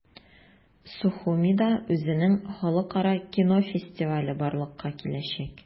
Сухумида үзенең халыкара кино фестивале барлыкка киләчәк.